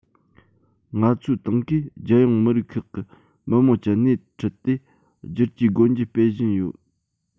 ང ཚོའི ཏང གིས རྒྱལ ཡོངས མི རིགས ཁག གི མི དམངས ཀྱི སྣེ ཁྲིད དེ བསྒྱུར བཅོས སྒོ འབྱེད སྤེལ བཞིན ཡོད